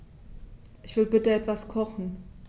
Ich will bitte etwas kochen.